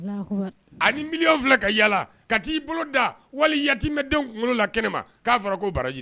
A ni million filɛ ka yala . Na ti bolo da wali yatimɛdenw kunkolo la kɛnɛ . Ka fɔra ko baraji